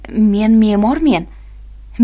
men me'mormen